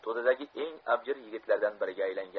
to'dadagi eng abjir yigitlardan biriga aylangan